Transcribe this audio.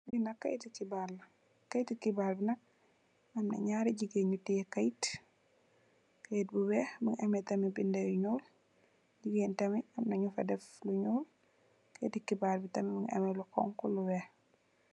Lee nak keyete kebarr la keyete kebarr be nak amna nyari jegain nu teye keyete keyete gu weex muge ameh tamin beda yu nuul jegain tamin amna nufa def lu nuul keyete kebarr tamin muge ameh lu xonxo lu weex.